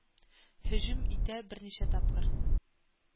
Һөҗүм итә, берничә тапкыр